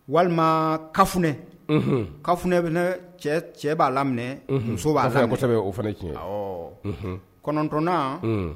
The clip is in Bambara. Walima ka funɛ kaf funɛ bɛ cɛ b'a laminɛ muso b'a fɛsɛbɛ o fana cɛ ɔ kɔnɔntɔnna